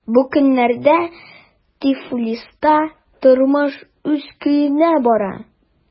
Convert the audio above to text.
Бу көннәрдә Тифлиста тормыш үз көенә бара.